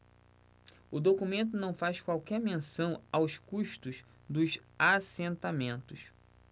o documento não faz qualquer menção aos custos dos assentamentos